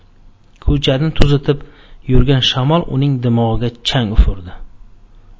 ko'chani tuzitib yurgan shamol uning dimog'iga chang ufurdi